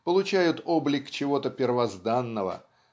получают облик чего-то первозданного